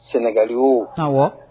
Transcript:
Sɛnɛgali oo hɔ